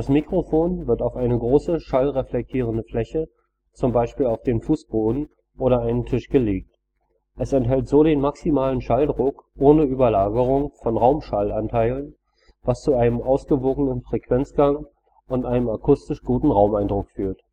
Mikrofon wird auf eine große schallreflektierende Fläche, z. B. auf den Fußboden oder einen Tisch, gelegt. Es erhält so den maximalen Schalldruck ohne Überlagerungen von Raumschallanteilen, was zu einem ausgewogenen Frequenzgang und einem akustisch guten Raumeindruck führt